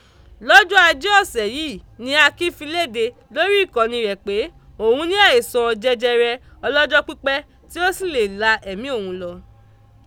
Lọ́jọ́ Ajé òṣẹ̀ yìí ní Akin fi léde lórí ìkànnì rẹ̀ pé òun ní àìsàn jẹjẹrẹ ọlọ́jọ́pípẹ́ tí ó sì lè la ẹ̀mí òun lọ.